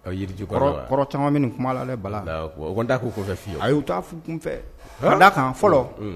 Ɔ jirijukɔrɔ don wa? kɔrɔ caaman bɛ nin kuma na dɛ ,Bala. Allahou Akbarou o kɔnni t'a fɔ o kun fɛ fiyewu, ayi o t'a fɔ o kun fɛ, han, ka da kan fɔlɔ, un